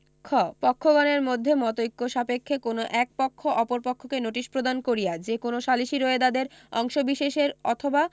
খ পক্ষগণের মধ্যে মতৈক্য সাপেক্ষে কোন এক পক্ষ অপর পক্ষকে নোটিশ প্রদান করিয়া যে কোন সালিসী রোয়েদাদের অংশবিশেষের অথবা